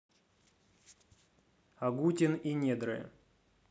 агутин и недры